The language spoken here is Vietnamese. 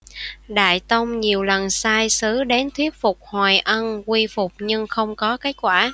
đại tông nhiều lần sai sứ đến thuyết phục hoài ân quy phục nhưng không có kết quả